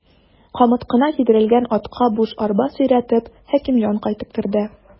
Камыт кына кидерелгән атка буш арба сөйрәтеп, Хәкимҗан кайтып керде.